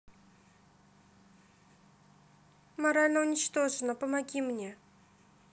морально уничтожена помоги мне